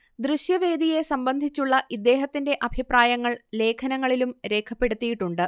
ദൃശ്യവേദിയെ സംബന്ധിച്ചുള്ള ഇദ്ദേഹത്തിന്റെ അഭിപ്രായങ്ങൾ ലേഖനങ്ങളിലും രേഖപ്പെടുത്തിയിട്ടുണ്ട്